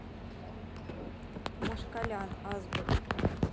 moskalyan азбука